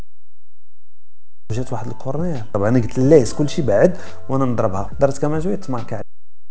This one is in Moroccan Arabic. طبعا كل شيء بعد وانا اضربها